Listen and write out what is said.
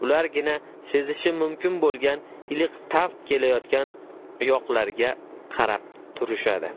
ulargina sezishi mumkin bo'lgan iliq taft kelayotgan yokdarga qarab turishadi